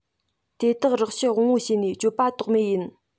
དེ དག རེག བྱེད དབང པོ བྱས ནས སྤྱད པ དོགས མེད ཡིན